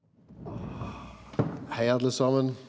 hei alle saman.